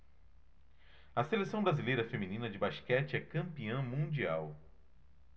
a seleção brasileira feminina de basquete é campeã mundial